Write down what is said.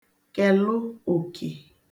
kèlụ òkè